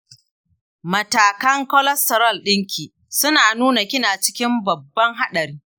matakan cholesterol ɗinki suna nuna kina cikin babban haɗari.